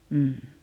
mm